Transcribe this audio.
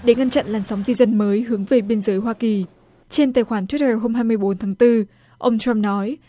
để ngăn chặn làn sóng di dân mới hướng về biên giới hoa kỳ trên tài khoản thuýt đờ hôm hai mươi bốn tháng tư ông trăm nói